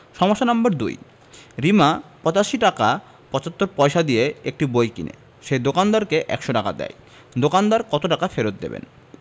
সমস্যা নাম্বার ২ রিমা ৮৫ টাকা ৭৫ পয়সা দিয়ে একটি বই কিনে সে দোকানদারকে ১০০ টাকা দেয় দোকানদার কত টাকা ফেরত দেবেন